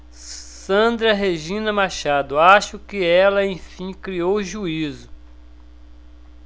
sandra regina machado acho que ela enfim criou juízo